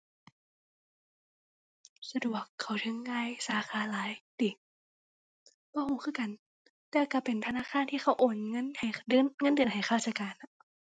สะดวก เข้าถึงง่าย สาขาหลายติ บ่รู้คือกัน แต่รู้เป็นธนาคารที่เขาโอนเงินให้เดือน เงินเดือนให้ข้าราชการอะ